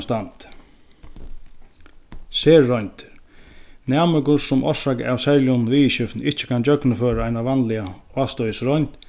standi serroyndir næmingur sum orsakað av serligum viðurskiftum ikki kann gjøgnumføra eina vanliga ástøðisroynd